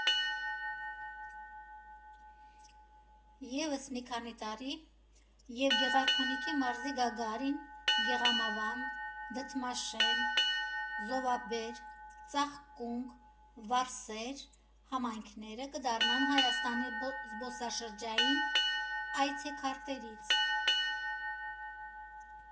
Եվս մի քանի տարի, և Գեղարքունիքի մարզի Գագարին, Գեղամավան, Դդմաշեն, Զովաբեր, Ծաղկունք, Վարսեր համայնքները կդառնան Հայաստանի զբոսաշրջային այցեքարտերից։